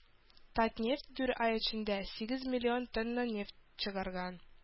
“татнефть” дүрт ай эчендә сигез миллион тонна нефть чыгарган